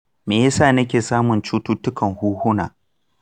me yasa nike samu cututtukan hunhuna?